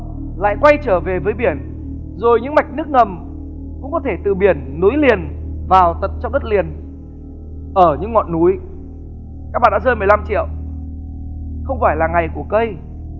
lại quay trở về với biển rồi những mạch nước ngầm cũng có thể từ biển nối liền vào tận trong đất liền ở những ngọn núi các bạn đã rơi mười lăm triệu không phải là ngày của cây